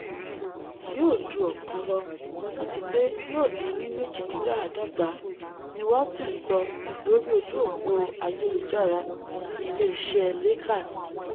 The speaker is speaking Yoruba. Yóò ju ọ̀kan lọ àtipé yóò dín ní méjìdínláàdọ́ta,'' ni Walton sọ lórí ojú-òpó ayelujara ti ilé iṣẹ́ Lakers.